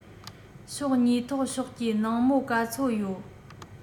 ཕྱོགས གཉིས ཐོག ཕྱོགས ཀྱིས ནང མོལ ག ཚོད ཡོད